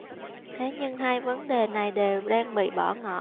thế nhưng hai vấn đề này đều đang bị bỏ ngỏ